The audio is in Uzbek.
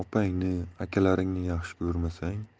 opangni akalaringni yaxshi ko'rmasang